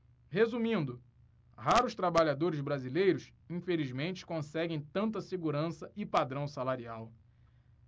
resumindo raros trabalhadores brasileiros infelizmente conseguem tanta segurança e padrão salarial